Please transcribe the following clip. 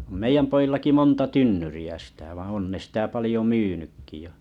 on meidän pojillakin monta tynnyriä sitä vaan on ne sitä paljon myynytkin ja